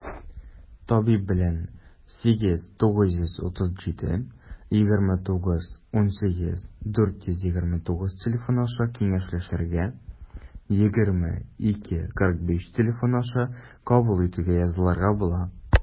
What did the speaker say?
Табиб белән 89372918429 телефоны аша киңәшләшергә, 20-2-45 телефоны аша кабул итүгә язылырга була.